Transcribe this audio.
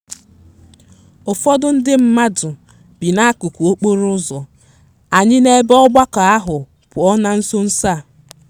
Ụfọdụ ndị mmadụ bi n'akụkụ okporo ụzọ, anyị n'ebe ọgbakọ ahụ pụọ na nsoso a.